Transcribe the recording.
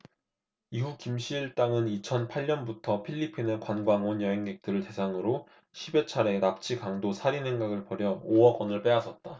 이후 김씨 일당은 이천 팔 년부터 필리핀에 관광온 여행객들을 대상으로 십 여 차례 납치 강도 살인 행각을 벌여 오 억원을 빼앗았다